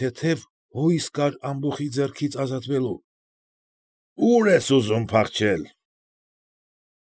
Թեթև հույս կար ամբոխի ձեռքից ազատվելու,֊ ո՞ւր ես ուզում փախչել։